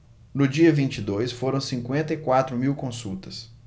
no dia vinte e dois foram cinquenta e quatro mil consultas